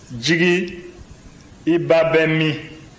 jigi i ba bɛ min